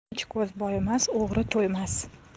ochko'z boyimas o'g'ri to'ymas